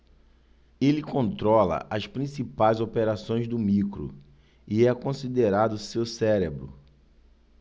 ele controla as principais operações do micro e é considerado seu cérebro